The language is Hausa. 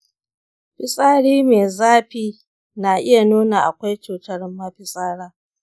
fitsari mai zafi na iya nuna akwai cutar mafitsara.